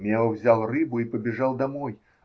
Мео взял рыбу и побежал домой.